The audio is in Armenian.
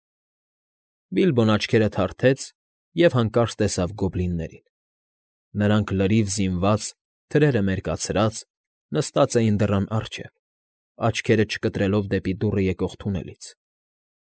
Բիլբոն աչքերը թարթեց և հանկարծ տեսավ գոբլիններին. նրանք, լրիվ զինված, թրերը մերկացրած, նստած էին դռան առջև, աչքերը չկտրելով դեպի դուռը եկող թունելից։